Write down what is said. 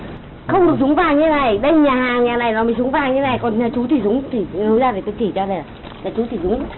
không được nhúng vàng như này đây nhà hàng nhà này nó mới nhúng vàng như này còn nhà chú chỉ nhúng chỉ chú ra để tôi chỉ cho nè nhà chú chỉ nhúng